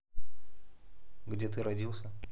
где ты родился